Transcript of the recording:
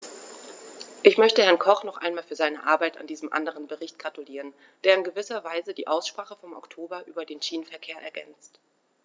Ich möchte Herrn Koch noch einmal für seine Arbeit an diesem anderen Bericht gratulieren, der in gewisser Weise die Aussprache vom Oktober über den Schienenverkehr ergänzt.